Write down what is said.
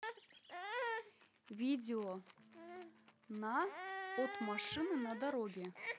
видео на от машины на дороге